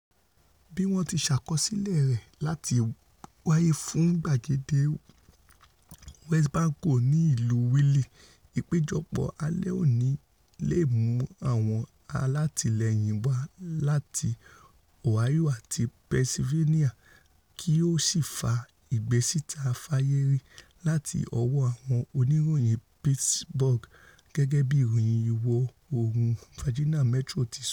Bí wọń ti ṣ̀akọsílẹ̀ rẹ̀ láti wáyé fún Gbàgede Wesbanco ní ìlú Wheeling, ìpéjọpọ̀ alẹ́ òni leè mú àwọn alátìlẹ̵̵yìn wá láti ''Ohio àti Pennysylvania kí ó sì fa ìgbésíta fáyé rí láti ọwọ́ àwọn oníròyìn Pittsburgh,'' gẹ́gẹ̵́bí Ìròyìn Ìwọ̀-oòrùn Virginia Metro tisọ.